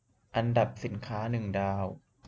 อันดับสินค้าหนึ่งดาว